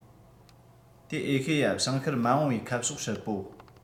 དེ ཨེ ཤེ ཡ བྱང ཤར མ འོངས པའི ཁ ཕྱོགས ཧྲིལ པོ